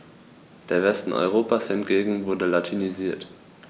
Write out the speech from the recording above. Der Westen Europas hingegen wurde latinisiert.